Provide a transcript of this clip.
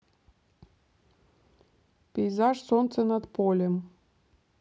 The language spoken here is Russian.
пейзаж солнце над полем